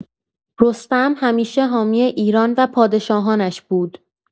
رستم همیشه حامی ایران و پادشاهانش بود.